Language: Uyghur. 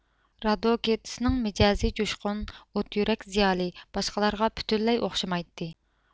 رادوكېتسنىڭ مىجەزى جۇشقۇن ئوت يۈرەك زىيالىي باشقىلارغا پۈتۈنلەي ئوخشىمايتتى